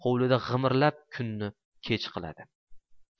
hovlida g'imirlab kunni kech qiladi